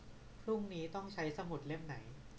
พรุ่งนี้ต้องใช้สมุดเล่มไหน